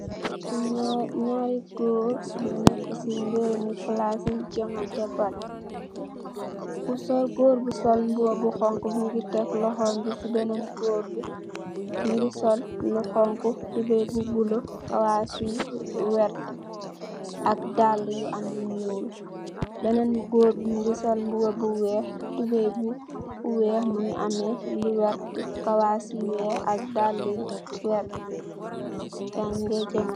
Nyari gorr nyinekk si mbirri palasi jongenteh bal ku sol, gorr bu sol buba su xoxu mungi tek loxom si benen gorr bi mungi sol lu xoxu tuboy bu bulo kawasi werta ak dallyu am lu nyul. Benen gorr bi mungi sol mbuba bu weh, tuboy bu weh mungi ameh lu wert kawas yu weh ak dal yu wert gayi nyungi jonganteh